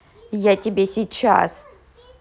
я тебе сейчас